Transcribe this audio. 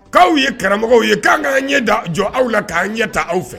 K'aw ye karamɔgɔw ye, k'an ka ɲɛ da, jɔ aw la k'an ɲɛ taa aw fɛ.